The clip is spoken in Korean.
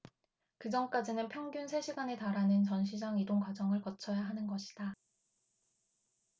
그 전까지는 평균 세 시간에 달하는 전시장 이동과정을 거쳐야 하는 것이다